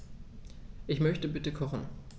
Ich möchte bitte kochen.